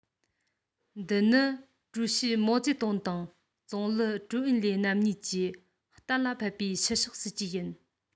འདི ནི ཀྲུའུ ཞི མའོ ཙེ ཏུང དང ཙུང ལི ཀྲོའུ ཨེན ལའེ རྣམ གཉིས ཀྱིས གཏན ལ ཕབ པའི ཕྱི ཕྱོགས སྲིད ཇུས ཡིན